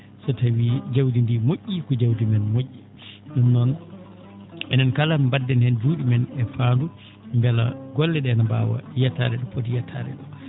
so tawii jawdi ndi mo??ii ko jawdi men mo??i ?um noon enen kala mba?den heen juu?e men e faandu mbela golle ?e ne mbaawa yettaade ?o poti yettaade ?oo